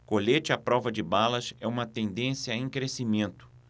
colete à prova de balas é uma tendência em crescimento